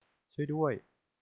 ช่วยด้วย